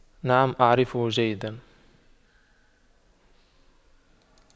نعم اعرفه جيدا